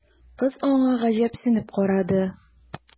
Кыз аңа гаҗәпсенеп карады.